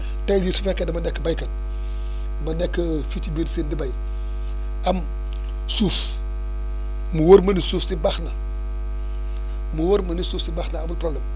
tey jii su fekkee dama nekk béykat ma nekk fii ci biir Sine di béy am suuf mu wóor ma ni suuf si baax na mu wóor ma ni suuf si baax na amul problème